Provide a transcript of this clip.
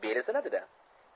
beli sinadida